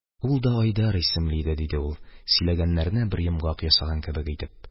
Ул да айдар исемле иде, – диде ул, сөйләгәннәренә бер йомгак ясаган кебек итеп.